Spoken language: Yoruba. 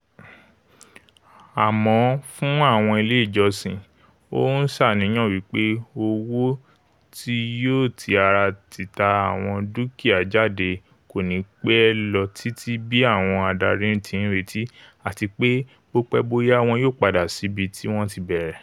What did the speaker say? Àmọò fún àwọn ilé ìjọsìn, ó ńṣàníyàn wípé owó tí yóò ti ara títa àwọn dúkìá jáde kòní pẹ́ lọ títí bí àwọn adarí ti ńretí́, ''àtipé bópe bóyạ́́ wọn yóò padà sí'bi tí wọ́n ti bẹ̀rẹ̀.